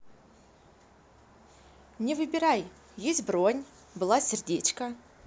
не выбирай есть бронь была сердечка